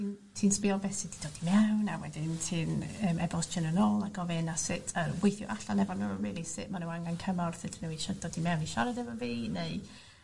mm ti'n sbio am beth sy 'di dod i mewn a wedyn ti'n yym e-bostio n'w nôl a gofyn a sut yy gweithio allan efo n'w rili sut ma' n'w angen cymorth ydyn n'w isio dod i mewn i siarad efo fi neu